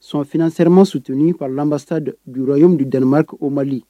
Son2sɛrema sutuni' basa duuruy danmari o malili